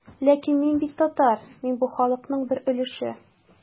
Ләкин мин бит татар, мин бу халыкның бер өлеше.